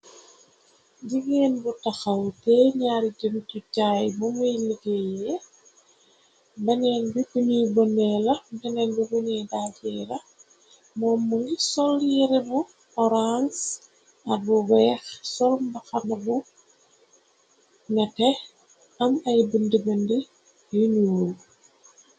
Jigeen bu taxaw tee ñaari jëntucjaay bu muy liggéeye, beneen bi buñuy bonnee la beneen bi buñuy daajeela. Moom mungi sol yere bu orang ak bu weex sol mbaxana bu nete am ay bundibande yu ñuul.